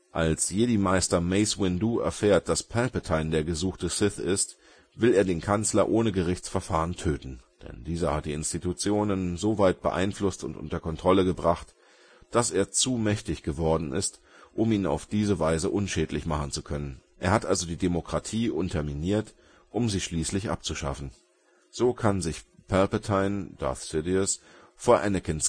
Als Jedi-Meister Mace Windu erfährt, dass Palpatine der gesuchte Sith ist, will er den Kanzler ohne Gerichtsverfahren töten. Denn dieser hat die Institutionen soweit beeinflusst und unter Kontrolle gebracht, dass er zu mächtig geworden ist, um ihn auf diese Weise unschädlich machen zu können. Er hat also die Demokratie unterminiert, um sie schließlich abzuschaffen. So kann sich Palpatine/Sidious vor Anakin